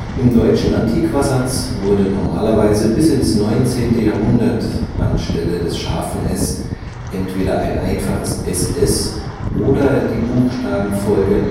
In deutschem Antiquasatz wurde normalerweise bis ins 19. Jahrhundert an Stelle von ß entweder einfaches ss oder die Buchstabenfolge